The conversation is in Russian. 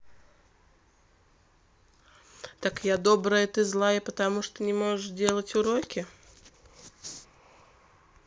так я добрая ты злая потому что не можешь делать уроки